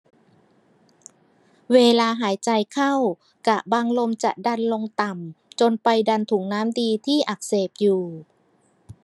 เวลาหายใจเข้ากะบังลมจะดันลงต่ำจนไปดันถุงน้ำดีที่อักเสบอยู่